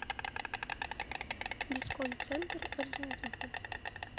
дисконт центр орджоникидзе